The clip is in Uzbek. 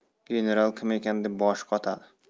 general kim ekan deb boshi qotadi